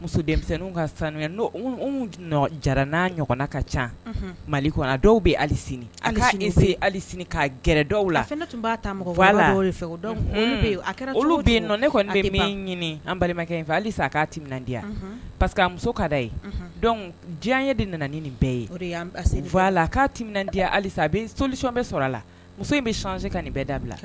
Muso denmisɛnnin ka sanu jara n' ɲɔgɔnna ka ca mali kɔnɔ dɔw bɛ ali sini a ka sigi se ali sini ka gɛrɛda la fɛn tun b'a fɛ a olu bɛ yen ne kɔni ɲini an balimakɛ in fɛ halisa k'a di yan pa que muso ka da ye diɲɛ ye de nana ni nin bɛɛ ye o de la k'a di halisa a bɛ solisɔn bɛɛ sɔrɔ a la muso in bɛ sse ka nin bɛɛ dabila